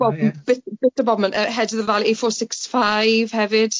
Bob- b- bit o bobman yy ei four six five hefyd.